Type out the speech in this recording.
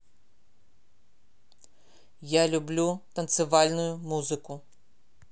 я люблю танцевальную музыку